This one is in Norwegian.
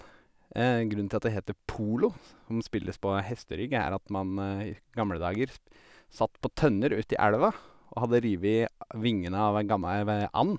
Grunnen til at det heter polo, som spiller på hesterygg, er at man i gamledager sp satt på tønner ute i elva og hadde rivi a vingene av ei gamma eve and.